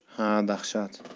ha dahshat